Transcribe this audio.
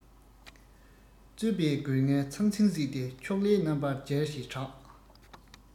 རྩོད པས རྒོལ ངན ཚང ཚིང བསྲེགས ཏེ ཕྱོགས ལས རྣམ པར རྒྱལ ཞེས གྲགས